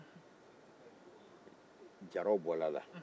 jara bɔra a la